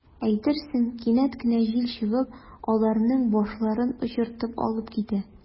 Әйтерсең, кинәт кенә җил чыгып, аларның “башларын” очыртып алып китә.